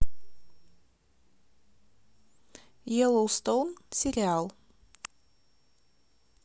йеллоустоун сериал